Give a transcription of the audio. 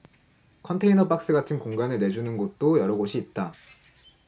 컨테이너 박스 같은 공간을 내주는 곳도 여러 곳이 있다